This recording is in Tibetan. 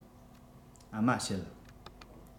ཨ མ བྱེད